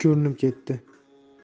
xunuk ko'rinib ketdi